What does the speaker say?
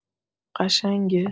قشنگه؟